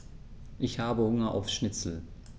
Ich habe Hunger auf Schnitzel.